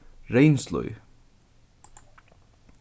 reynslíð